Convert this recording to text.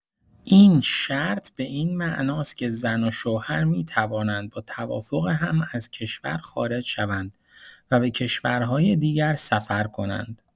این شرط به این معناست که زن و شوهر می‌توانند با توافق هم، از کشور خارج شوند و به کشورهای دیگر سفر کنند.